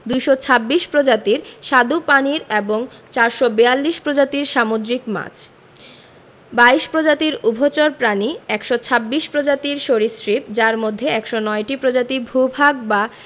২২৬ প্রজাতির স্বাদু পানির এবং ৪৪২ প্রজাতির সামুদ্রিক মাছ ২২ প্রজাতির উভচর প্রাণী ১২৬ প্রজাতির সরীসৃপ যার মধ্যে ১০৯টি প্রজাতি ভূ ভাগ বা